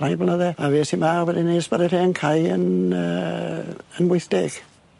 rhai blynydde a fues i 'ma wedyn 'ny ers bod yr hen cau yn yy yn wyth deg.